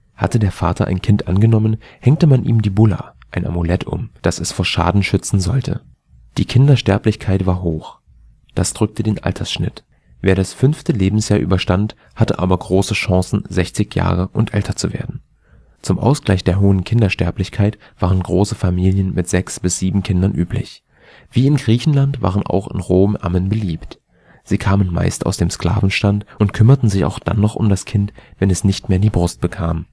Hatte der Vater ein Kind angenommen, hängte man ihm die bulla, ein Amulett um, das es vor Schaden schützen sollte. Die Kindersterblichkeit war hoch. Das drückte den Altersschnitt. Wer das fünfte Lebensjahr überstand, hatte aber große Chancen, 60 Jahre und älter zu werden. Zum Ausgleich der hohen Kindersterblichkeit waren große Familien mit sechs bis sieben Kindern üblich. Wie in Griechenland waren auch in Rom Ammen beliebt. Sie kamen meist aus dem Sklavenstand und kümmerten sich auch dann noch um das Kind, wenn es nicht mehr die Brust bekam